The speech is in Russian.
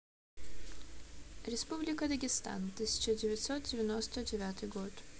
республика дагестан тысяча девятьсот девяносто девятый год